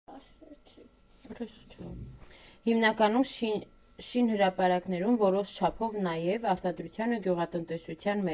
Հիմնականում՝ շինհրապարակներում, որոշ չափով նաև՝ արտադրության ու գյուղատնտեսության մեջ։